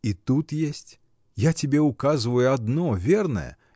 — И тут есть, я тебе указываю одно верное.